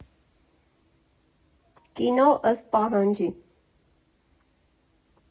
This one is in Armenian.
Կինո ըստ պահանջի։